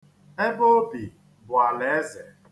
Ebe o bi bụ alaeze.